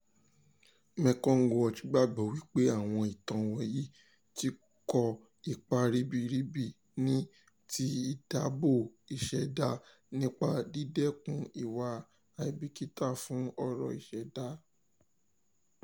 Mekong Watch gbàgbọ́ wípé àwọn ìtàn wọ̀nyí "ti kó ipa ribiribi ní ti ìdáàbò ìṣẹ̀dá nípa dídẹ́kun ìwà àìbìkítà fún ọrọ̀ ìṣẹ̀dá."